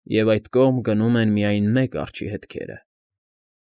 Եվ այդ կողմ գնում են միայն մեկ արջի հետքերը։